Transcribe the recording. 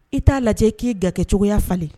I t'a lajɛ k'i gari kɛ cogoyaya falen